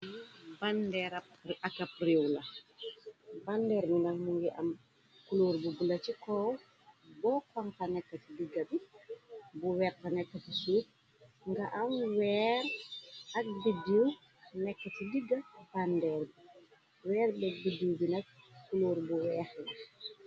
ak ab réiw la bandeer bi ndaxnu ngi am kuluor bu bula ci kow boo konxa nekk ci digga bi bu, wexx nekk ci fif nga am weer ak biddiw nekk ci digga bàndeer bi weer lék biddiw bina kuluor bu weex li.